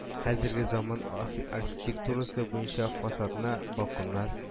Хәзерге заман ах архитектурасы буенча фасадына балконнар